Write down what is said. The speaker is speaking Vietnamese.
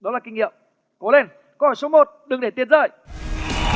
đó là kinh nghiệm cố lên câu hỏi số một đừng để tiền rơi